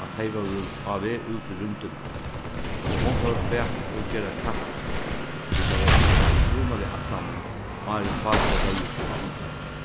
at tey vóru á veg út í rúmdina so hon fór at baka og gera kaffi tí tað var upprunaliga ætlanin áðrenn pápi legði seg á handtakið